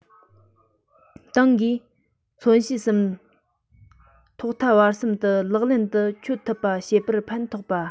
ཏང གིས མཚོན བྱེད གསུམ ཐོག མཐའ བར གསུམ དུ ལག ལེན དུ འཁྱོལ ཐུབ པ བྱེད པར ཕན ཐོགས པ